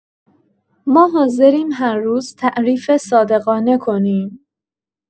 ما حاضریم هر روز تعریف صادقانه کنیم.